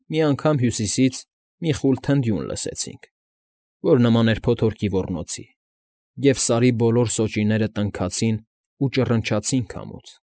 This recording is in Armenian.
Մի անգամ Հյուսիսից մի խուլ թնդյուն լսեցինք, որ նման էր փոթորիկի ոռնոցի, և Սարի բոլոր սոճիները տնքացին ու ճռնչացին քամուց։